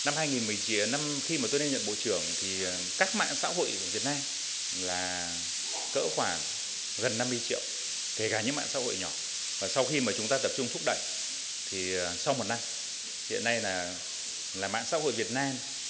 năm hai nghìn mười chín năm khi mà tôi lên nhận bộ trưởng thì các mạng xã hội việt nam là cỡ khoảng gần năm mươi triệu kể cả những mạng xã hội nhỏ và sau khi mà chúng ta tập trung thúc đẩy thì sau một năm hiện nay là là mạng xã hội việt nam